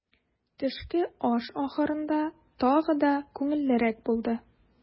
Төшке аш ахырында тагы да күңеллерәк булды.